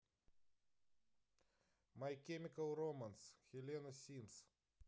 май кемикал романс хелена симс